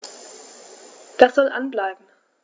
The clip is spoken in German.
Das soll an bleiben.